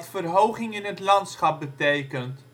verhoging in het landschap betekent